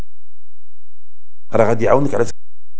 رغد